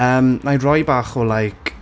Yym wna i roi bach o like...